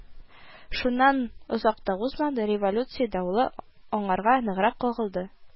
Шуннан озак та узмады, революция давылы аңарга ныграк кагылды